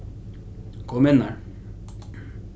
kom innar